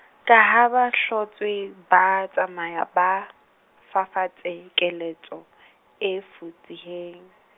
ka ha ba hlotswe, ba tsamaya ba, fafatsa keletso e fosahetseng.